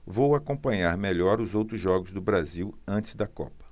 vou acompanhar melhor os outros jogos do brasil antes da copa